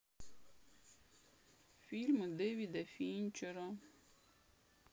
фильмы дэвида финчера